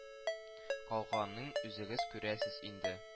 Калганын үзегез күрәсез инде